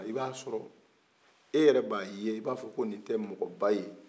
i b'a sɔrɔ e yɛrɛ b'a ye ko nin tɛ mɔgɔba ye